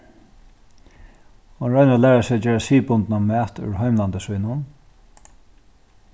hon roynir at læra seg at gera siðbundnan mat úr heimlandi sínum